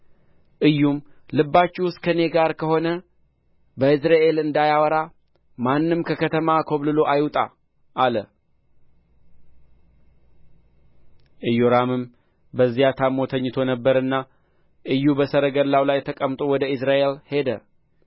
ኢዩም ልባችሁስ ከእኔ ጋር ከሆነ በኢይዝራኤል እንዳያወራ ማንም ከከተማ ኰብልሎ አይውጣ አለ ኢዮራምም በዚያ ታምሞ ተኝቶ ነበርና ኢዩ በሰረገላው ላይ ተቀምጦ ወደ ኢይዝራኤል ሄደ